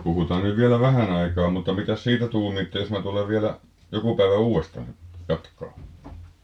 puhutaan nyt vielä vähän aikaa mutta mitäs siitä tuumitte jos minä tulen vielä joku päivä uudestaan jatkamaan